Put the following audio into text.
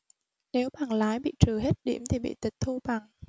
nếu bằng lái bị trừ hết điểm thì bị tịch thu bằng